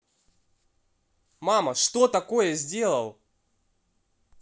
мама что такое сделал